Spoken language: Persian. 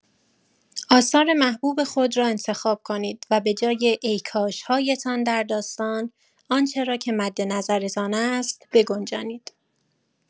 آثار محبوب خود را انتخاب کنید و به‌جای «ای کاش‌هایتان» در داستان، آنچه را که مد نظرتان است بگنجانید.